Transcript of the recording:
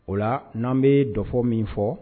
O la n'an bɛ dɔfɔ min fɔ